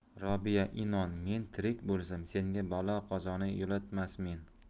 robiya inon men tirik bo'lsam senga balo qazoni yo'latmasmen